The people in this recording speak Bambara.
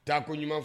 Taaa ko ɲuman